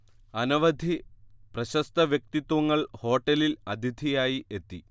അനവധി പ്രശസ്ത വ്യക്തിത്വങ്ങൾ ഹോട്ടലിൽ അതിഥിയായി എത്തി